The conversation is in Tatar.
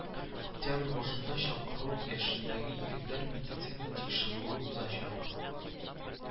Октябрь башында чакыру яшендәге егетләр медицина тикшерүе узачак